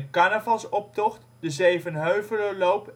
Carnavalsoptocht Zevenheuvelenloop